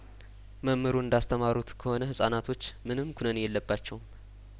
መምሩ እንዳስ ተማሩት ከሆነ ህጻናቶች ምንም ኩነኔ የለባቸውም